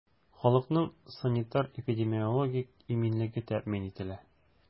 Халыкның санитар-эпидемиологик иминлеге тәэмин ителә.